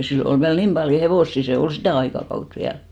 silloin oli vielä niin paljon hevosia se oli sitä aikakautta vielä